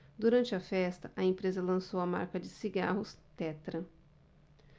durante a festa a empresa lançou a marca de cigarros tetra